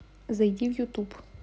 зайди в ютуб